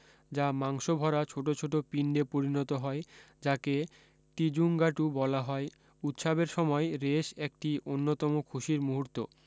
যা মাংস ভরা ছোট ছোট পিন্ডে পরিণত হয় যাকে টিজুঙ্গাটু বলা হয় উৎসবের সময় রেশ একটি অন্যতম খুশির মূহুর্ত